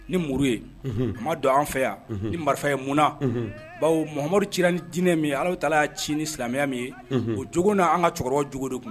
Ni muru ye ma don an fɛ yan ni marifaya mun bawhamadumudu ci ni dinɛ min ala taa y'a ci ni silamɛya min ye o jo na anan ka cɛkɔrɔba jugu de kun